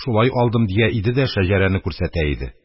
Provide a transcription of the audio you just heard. Шулай алдым, – дия иде дә шәҗәрәне күрсәтә иде.